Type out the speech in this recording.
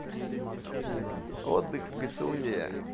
отдых в пицунде